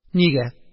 Нигә